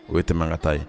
O ye tɛkata ye